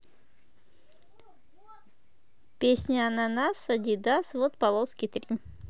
песня ананас адидас вот полоски три